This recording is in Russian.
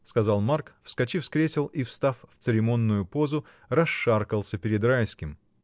— сказал Марк, вскочил с кресел и, став в церемонную позу, расшаркался перед Райским.